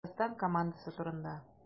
Татарстан командасы турында.